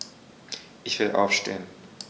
Ich will aufstehen.